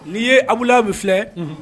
N'i ye Abu Lahabi filɛ